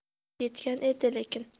yetgan edi lekin